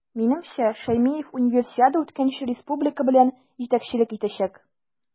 Минемчә, Шәймиев Универсиада үткәнче республика белән җитәкчелек итәчәк.